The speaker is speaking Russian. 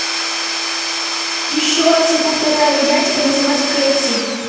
еще раз я повторяю я тебе называть кэти